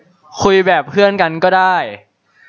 คุยแบบเพื่อนกันก็ได้